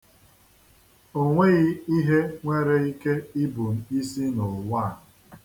O nweghị ihe nwere ike ibu m isi n'ụwa.